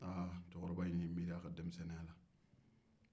cɛkɔrɔba in y'i miiri a ka denmisɛnya la nka ale minɛna ale kɛra bololamaa ye